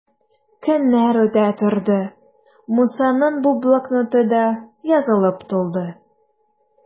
Көннәр үтә торды, Мусаның бу блокноты да язылып тулды.